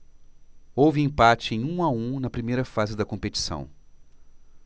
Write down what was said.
houve empate em um a um na primeira fase da competição